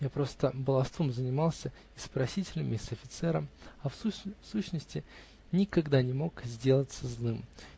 Я просто баловством занимался и с просителями и с офицером, а в сущности никогда не мог сделаться злым.